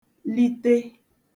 lite